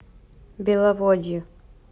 беловодье